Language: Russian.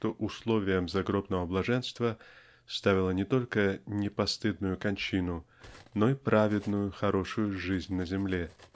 что условием загробного блаженства ставило не только "непостыдную кончину" но и праведную хорошую жизнь на земле.